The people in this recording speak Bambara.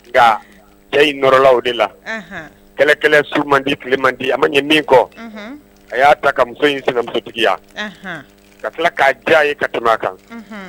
Ɔrɔla o de la kɛlɛ su man di tile man di a ma min kɔ a y'a ta ka muso in sinabutigiya ka tila k'a diya ye ka tɛmɛ a kan